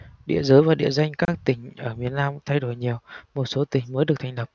địa giới và địa danh các tỉnh ở miền nam thay đổi nhiều một số tỉnh mới được thành lập